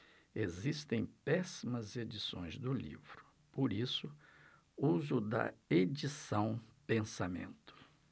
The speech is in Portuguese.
existem péssimas edições do livro por isso use o da edição pensamento